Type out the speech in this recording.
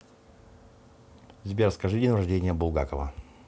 сбер скажи день рождения булгакова